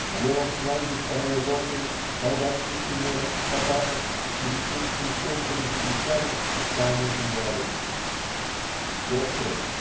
На левом фланге второй роты в солдатских шинелях, папахах, с медицинскими сумками за плечами Таня и Варя. "Сестры!